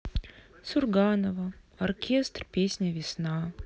сурганово оркестр песня весна